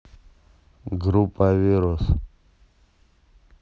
группа вирус